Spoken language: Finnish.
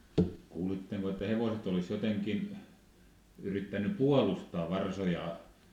kuulitteko että hevoset olisi jotenkin yrittänyt puolustaa varsoja